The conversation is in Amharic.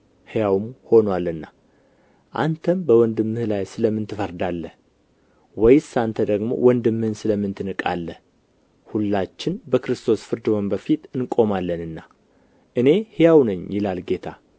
ሕያውም ሆኖአልና አንተም በወንድምህ ላይ ስለ ምን ትፈርዳለህ ወይስ አንተ ደግሞ ወንድምህን ስለ ምን ትንቃለህ ሁላችን በክርስቶስ ፍርድ ወንበር ፊት እንቆማለንና እኔ ሕያው ነኝ ይላል ጌታ